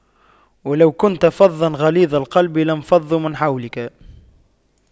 وَلَو كُنتَ فَظًّا غَلِيظَ القَلبِ لاَنفَضُّواْ مِن حَولِكَ